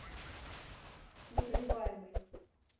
непробиваемый